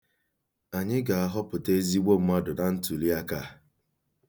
Anyị ga-ahọpụta ezigbo mmadụ na ntụli aka a.